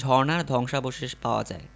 ঝর্ণার ধ্বংসাবশেষ পাওয়া যায়